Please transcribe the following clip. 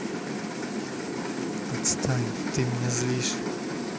отстань ты меня злишь